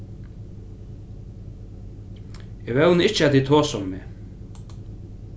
eg vóni ikki at tit tosa um meg